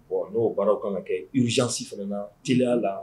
Bon n'o baaraw kana kɛ ruzsi fana teliya la